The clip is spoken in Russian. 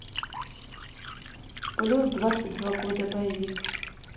плюс двадцать два года боевик